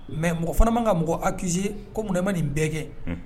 Mɛ mɔgɔ fana man ka mɔgɔ hakiise ko munna ma nin bɛɛ kɛ